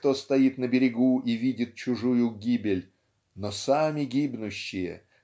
кто стоит на берегу и видит чужую гибель но сами гибнущие